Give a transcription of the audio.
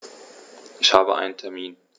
Ich habe einen Termin.